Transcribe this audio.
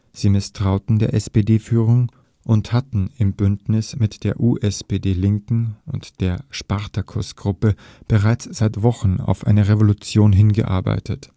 Sie misstrauten der SPD-Führung und hatten im Bündnis mit der USPD-Linken und der Spartakusgruppe bereits seit Wochen auf eine Revolution hingearbeitet